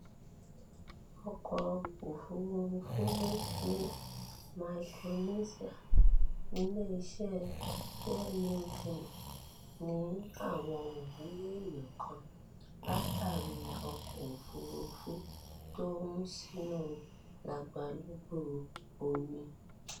Ọkọ̀-òfúrufú run ní Micronesia: Ilé-iṣẹ́ Air Niugini ní àwọn ò rí èèyàn kan látàrí ọkọ̀-òfúrufú tó run sínu lagbalúgbú omi